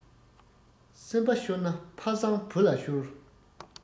སེམས པ ཤོར ན ཕ བཟང བུ ལ ཤོར